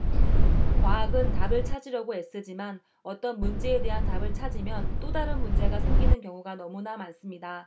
과학은 답을 찾으려고 애쓰지만 어떤 문제에 대한 답을 찾으면 또 다른 문제가 생기는 경우가 너무나 많습니다